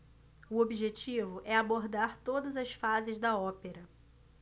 o objetivo é abordar todas as fases da ópera